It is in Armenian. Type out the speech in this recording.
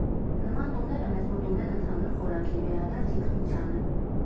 Նման տոները մեզ մոտ ունեն ընդհանուր խորագիր՝ «Վերադարձ ինքնությանը»։